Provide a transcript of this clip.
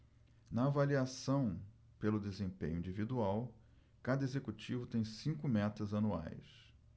na avaliação pelo desempenho individual cada executivo tem cinco metas anuais